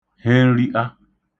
henrita